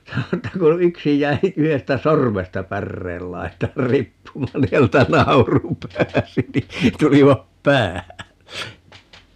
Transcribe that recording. sanoi että kun yksi jäi yhdestä sormesta päreen laitaan riippumaan niin häneltä nauru pääsi niin tulivat päälle